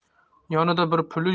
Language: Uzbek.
yonida bir puli